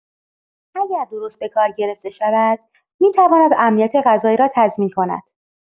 اگر درست به کار گرفته شود، می‌تواند امنیت غذایی را تضمین کند.